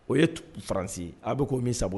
O ye faransi ye a bɛ ko minsa